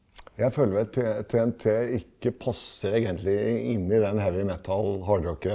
jeg føler vel TNT ikke passer egentlig inn i den heavy metal.